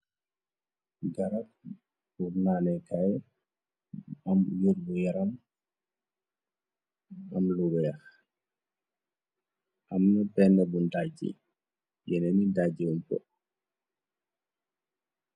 garab bur naanekaay am yur bu yaram am luboyex amna penn bu ndajci yeneni dajjeom bo